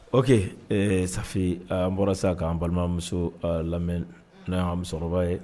Oke sa bɔra sa k'an balimamuso lamɛn n'a y'an musokɔrɔba ye